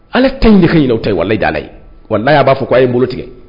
Ala tɛjɛ in' ta ye wali dala ye wa y' b'a fɔ ko' ye bolo tigɛ